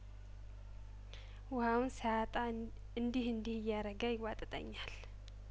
ውሀውን ሳያጣ እንዲህ እንዲህ እያረገ ይቧጥጠኛል